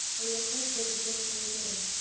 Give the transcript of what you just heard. Аяклар дер-дер калтырый.